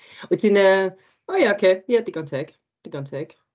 Wyt ti'n yy... o ia ok digon teg, digon teg.